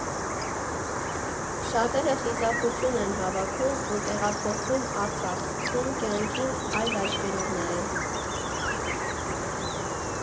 Շատերը խիզախություն են հավաքում ու տեղափոխվում Արցախ, սկսում կյանքին այլ աչքերով նայել։